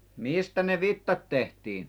mistä ne vitsat tehtiin